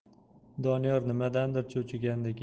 doniyor nimadandir cho'chigandek